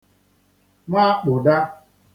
nwaakpụ̀da